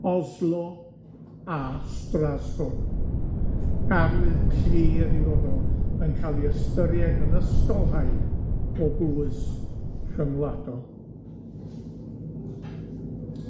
Oslo a Strasbourg, arwydd clir 'i fod o yn ca'l 'i ystyried yn ysgolhaig o bwys rhyngwladol.